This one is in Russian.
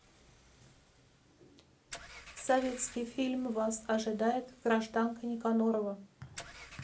советский фильм вас ожидает гражданка никанорова